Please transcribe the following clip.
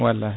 wallahi